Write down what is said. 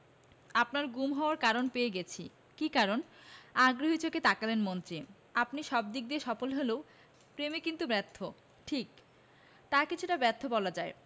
আপনার গুম হওয়ার কারণ পেয়ে গেছি ‘কী কারণ আগ্রহী চোখে তাকালেন মন্ত্রী আপনি সব দিক দিয়ে সফল হলেও প্রেমে কিন্তু ব্যর্থ ঠিক ‘তা কিছুটা ব্যর্থ বলা যায়